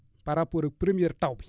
par rapport ak première taw bi